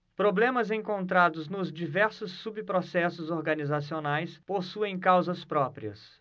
problemas encontrados nos diversos subprocessos organizacionais possuem causas próprias